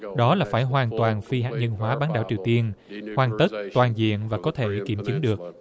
đó là phải hoàn toàn phi hạt nhân hóa bán đảo triều tiên hoàn tất toàn diện và có thể kiểm chứng được